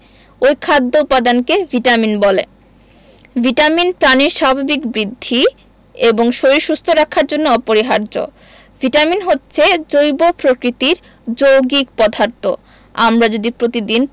ঐ খাদ্য উপাদানকে ভিটামিন বলে ভিটামিন প্রাণীর স্বাভাবিক বৃদ্ধি এবং শরীর সুস্থ রাখার জন্য অপরিহার্য ভিটামিন হচ্ছে জৈব প্রকৃতির যৌগিক পদার্থ আমরা যদি প্রতিদিন